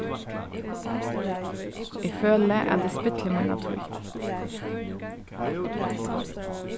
eg føli at eg spilli mína tíð